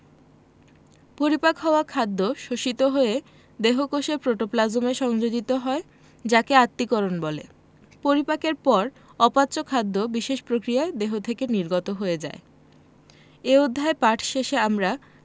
পরিপাক হওয়া খাদ্য শোষিত হয়ে দেহকোষের প্রোটোপ্লাজমে সংযোজিত হয় যাকে আত্তীকরণ বলে পরিপাকের পর অপাচ্য খাদ্য বিশেষ প্রক্রিয়ায় দেহ থেকে নির্গত হয়ে যায় এ অধ্যায় পাঠ শেষে আমরা